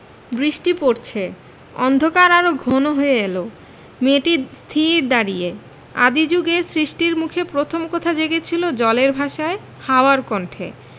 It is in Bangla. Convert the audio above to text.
বৃষ্টি পরছে অন্ধকার আরো ঘন হয়ে এল মেয়েটি স্থির দাঁড়িয়ে আদি জুগে সৃষ্টির মুখে প্রথম কথা জেগেছিল জলের ভাষায় হাওয়ার কণ্ঠে